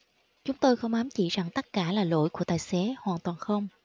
chúng tôi không ám chỉ rằng tất cả là lỗi của tài xế hoàn toàn không